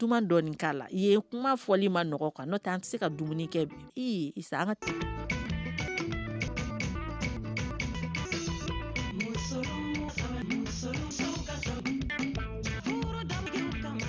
'a la i ye kuma fɔli ma kan'o tɛ an tɛ se ka dumuni kɛ bin